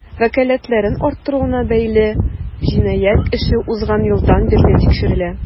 Вәкаләтләрен арттыруына бәйле җинаять эше узган елдан бирле тикшерелә.